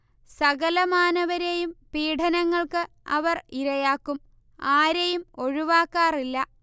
സകലമാനവരെയും പീഢനങ്ങൾക്ക് അവർ ഇരയാക്കും. ആരെയും ഒഴിവാക്കാറില്ല